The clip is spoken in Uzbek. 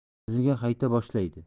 iziga qayta boshlaydi